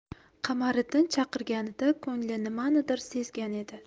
qamariddin chaqirganida ko'ngli nimanidir sezgan edi